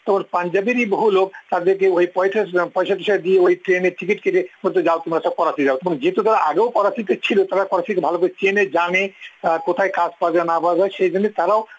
পাঞ্জাবের ই বহু লোক পয়সা দিয়ে ট্রেনের টিকিট কেটে বলতো যাও তোমরা সব করাচি যাও যেহেতু তারা আগেও করাচিতে ছিল তারা করাচিকে ভালো করে চেনে জানে কোথায় কাজ পাওয়া যায় না পাওয়া যায় সে জন্য তারাও